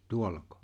tuollako